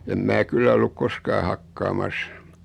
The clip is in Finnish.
en minä kyllä ollut koskaan hakkaamassa